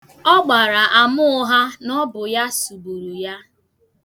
Ọ gbara ama ụgha na ọ bụ ya sụgburu ya.